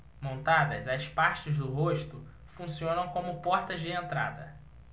montadas as partes do rosto funcionam como portas de entrada